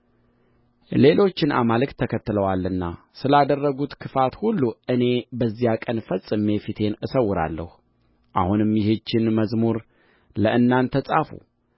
ሌሎችን አማልክት ተከትለዋልና ስላደረጉት ክፋት ሁሉ እኔ በዚያ ቀን ፈጽሜ ፊቴን እሰውራለሁ አሁንም ይህችን መዝሙር ለእናንተ ጻፉ